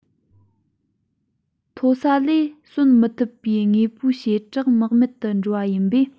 མཐོ ས ལས ཟན ལེན མི ཐུབ པའི དངོས པོའི བྱེ བྲག རྨེག མེད དུ འགྲོ བ ཡིན པས